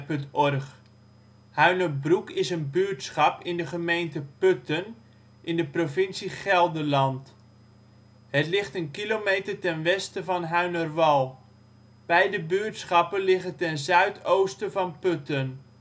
OL Huinerbroek Plaats in Nederland Situering Provincie Gelderland Gemeente Putten Coördinaten 52° 14′ NB, 5° 35′ OL Portaal Nederland Beluister (info) Huinerbroek is een buurtschap in de gemeente Putten, provincie Gelderland. Het ligt een kilometer ten westen van Huinerwal. Beide buurtschappen liggen ten zuidoosten van Putten